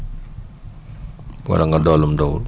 wala nga doon lu mu doonul